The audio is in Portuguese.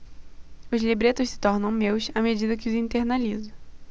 os libretos se tornam meus à medida que os internalizo